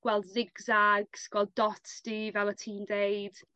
Gweld zigzags gweld dots du fel o' ti'n ddeud.